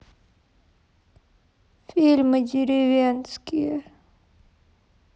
фильмы деревенские